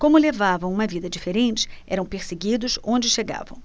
como levavam uma vida diferente eram perseguidos onde chegavam